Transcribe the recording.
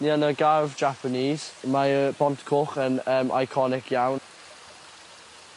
Ni yn a gardd Japanese. Mae y bont coch yn yym iconic iawn.